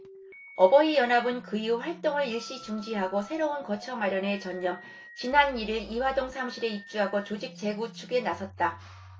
어버이연합은 그 이후 활동을 일시 중지하고 새로운 거처 마련에 전념 지난 일 일 이화동 사무실에 입주하고 조직 재구축에 나섰다